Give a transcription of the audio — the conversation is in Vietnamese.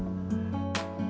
hương